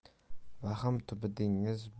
vahm tubi dengiz